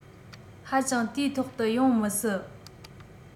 ཧ ཅང དུས ཐོག ཏུ ཡོང མི སྲིད